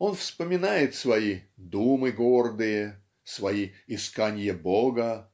Он вспоминает свои "думы гордые" свои "исканья Бога